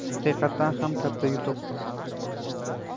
haqiqatan ham katta yutuq